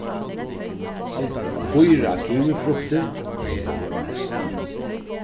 fýra kivifruktir